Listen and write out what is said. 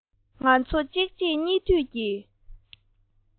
ང ཚོ གཅིག རྗེས གཉིས མཐུད ཀྱིས